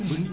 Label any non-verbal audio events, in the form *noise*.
*hesitation* *hesitation*